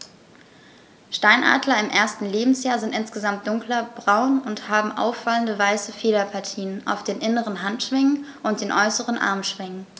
Steinadler im ersten Lebensjahr sind insgesamt dunkler braun und haben auffallende, weiße Federpartien auf den inneren Handschwingen und den äußeren Armschwingen.